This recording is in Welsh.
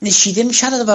Wnes i ddim siarad efo...